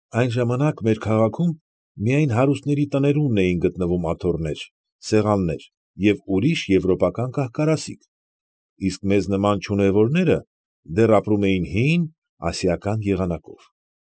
Այն ժամանակ մեր քաղաքում միմիայն հարուստների տներումն էին գտնվում աթոռներ, սեղաններ և ուրիշ եվրոպական կահ կարասիք, իսկ մեզ նման չունևորները դեռ ապրում էին հին, ասիական եղանակով։